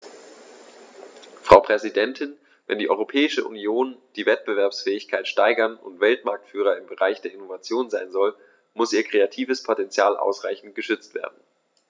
Frau Präsidentin, wenn die Europäische Union die Wettbewerbsfähigkeit steigern und Weltmarktführer im Bereich der Innovation sein soll, muss ihr kreatives Potential ausreichend geschützt werden.